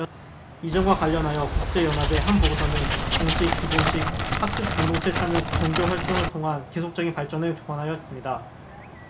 이 점과 관련하여 국제 연합의 한 보고서는 공식 비공식 학습 공동체 참여 종교 활동을 통한 계속적인 발전을 권하였습니다